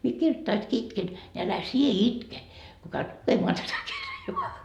minä kirjoittaessakin itken niin älä sinä itke kun käyt lukemaan tätä kirjaa